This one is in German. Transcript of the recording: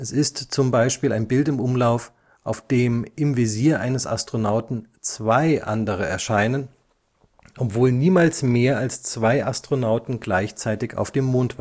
ist zum Beispiel ein Bild im Umlauf, auf dem im Visier eines Astronauten zwei andere erscheinen, obwohl niemals mehr als zwei Astronauten gleichzeitig auf dem Mond